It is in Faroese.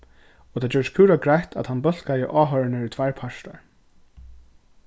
og tað gjørdist púra greitt at hann bólkaði áhoyrararnar í tveir partar